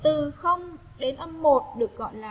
từ đến được gọi là